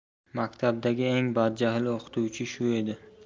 maktabdagi eng badjahl o'qituvchi shu edi